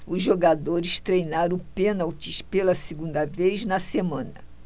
os jogadores treinaram pênaltis pela segunda vez na semana